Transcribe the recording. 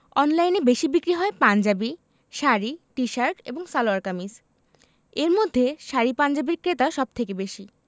অনলাইনে বেশি বিক্রি হয় পাঞ্জাবি শাড়ি টি শার্ট এবং সালোয়ার কামিজ এর মধ্যে শাড়ি পাঞ্জাবির ক্রেতা সব থেকে বেশি